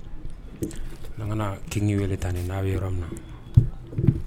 Na ŋanaa Kini wele tan de n'a be yɔrɔ min na